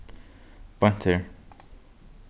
beint her